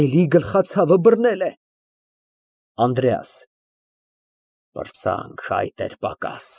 Էլի գլխացավը բռնել է։ ԱՆԴՐԵԱՍ ֊ Պրծանք, այդ էր պակաս։